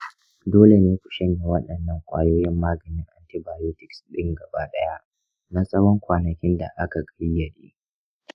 dole ne ku shanye waɗannan kwayoyin maganin antibiotics ɗin gaba ɗaya na tsawon kwanakin da aka ƙayyade.